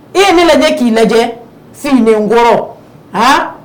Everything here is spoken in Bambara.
I ye ne lajɛ k'i lajɛ silenkɔrɔ a